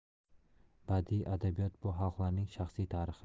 badiiy adabiyot bu xalqlarning shaxsiy tarixi